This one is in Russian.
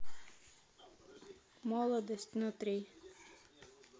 молодость внутри